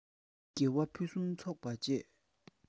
དགེ བ ཕུན སུམ ཚོགས པར སྤྱད